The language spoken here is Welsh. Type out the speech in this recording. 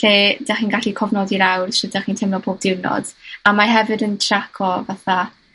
lle 'dach chi'n gallu cofnodi lawr shwd 'dach chi'n teimlo pob diwrnod. A mae hefyd yn trac o fatha